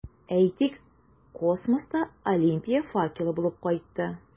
Әйтик, космоста Олимпия факелы булып кайтты.